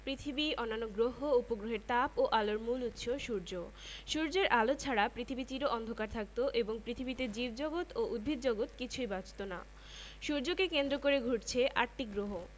এই মহাবিশ্বের বিশালতার মধ্যে সৌরজগৎ নিতান্তই ছোট সূর্যঃ সূর্য একটি নক্ষত্র এটি একটি মাঝারি আকারের হলুদ বর্ণের নক্ষত্র এর ব্যাস প্রায় ১৩ লক্ষ ৮৪ হাজার কিলোমিটার এবং ভর প্রায় এক দশমিক